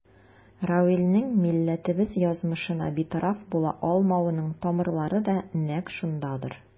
Равилнең милләтебез язмышына битараф була алмавының тамырлары да нәкъ шундадыр.